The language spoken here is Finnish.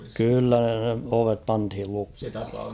kyllä ne ovet pantiin lukkoon